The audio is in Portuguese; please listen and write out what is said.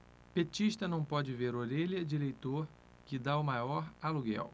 petista não pode ver orelha de eleitor que tá o maior aluguel